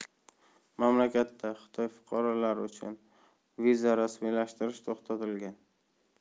mamlakatda xitoy fuqarolari uchun viza rasmiylashtirish to'xtatilgan